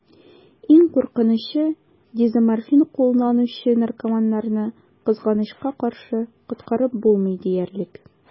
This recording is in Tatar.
Иң куркынычы: дезоморфин кулланучы наркоманнарны, кызганычка каршы, коткарып булмый диярлек.